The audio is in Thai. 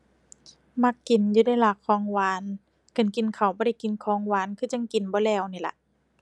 มักกินอยู่เดะล่ะของหวาน คันกินข้าวบ่ได้กินของหวานคือจั่งกินบ่แล้วนี่ล่ะ